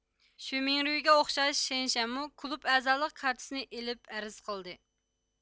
شۈمىڭرۈيگە ئوخشاش شېن شەنمۇ كۇلۇب ئەزالىق كارتىسىنى ئېلىپ ئەرز قىلدى